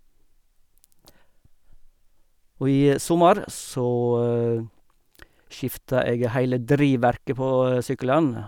Og i sommer, så skifta jeg heile drivverket på sykkelen.